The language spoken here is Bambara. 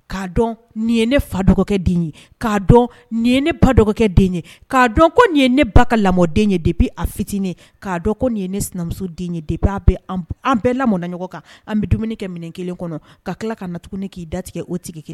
K kaa dɔn nin ye ne fa dɔgɔkɛ den ye k kaa dɔn nin ye ne ba dɔgɔkɛ den ye'a dɔn ko nin ye ne ba ka lamɔden ye de bɛ a fitinin k kaa dɔn ko nin ye ne sinamuso den ye de b' bɛ an bɛɛ lam na ɲɔgɔn kan an bɛ dumuni kɛ minɛn kelen kɔnɔ ka tila ka nat k'i da tigɛ o tigɛ kelen